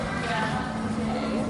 Oce.